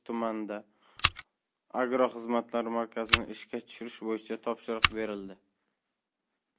tumanida agroxizmatlar markazini ishga tushirish bo'yicha topshiriq berildi